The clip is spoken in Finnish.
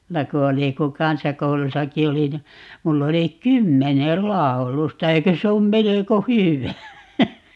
minulla kun oli kun kansakoulussakin olin niin minulla oli kymmenen laulusta eikö se ole melko hyvä